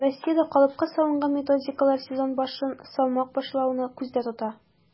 Россиядә калыпка салынган методикалар сезон башын салмак башлауны күздә тота: